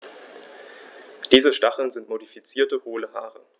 Diese Stacheln sind modifizierte, hohle Haare.